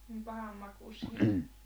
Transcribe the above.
on pahanmakuisia